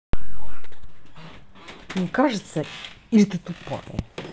не кажется ли ты тупая